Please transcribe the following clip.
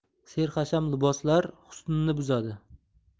serxasham liboslar husnni buzadi